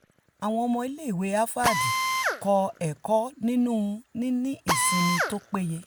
Àwọn ọmọ ilé ìwé Havard kọ ẹ̀kọ́ nínú níní ìsinmi tó peye